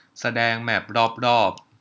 แสดงแมพรอบรอบ